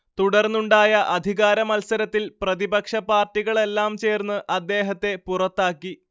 തുടർന്നുണ്ടായ അധികാരമത്സരത്തിൽ പ്രതിപക്ഷ പാർട്ടികളെല്ലാം ചേർന്ന് അദ്ദേഹത്തെ പുറത്താക്കി